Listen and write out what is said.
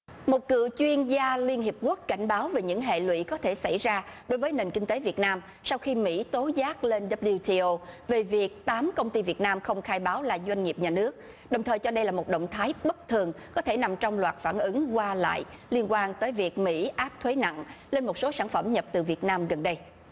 một cựu chuyên gia liên hiệp quốc cảnh báo về những hệ lụy có thể xảy ra đối với nền kinh tế việt nam sau khi mỹ tố giác lên đáp liu ti ô về việc tám công ty việt nam không khai báo là doanh nghiệp nhà nước đồng thời cho đây là một động thái bất thường có thể nằm trong loạt phản ứng qua lại liên quan tới việc mỹ áp thuế nặng lên một số sản phẩm nhập từ việt nam gần đây